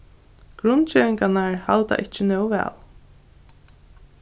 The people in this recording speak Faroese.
grundgevingarnar halda ikki nóg væl